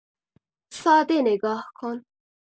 ساده نگاه کن!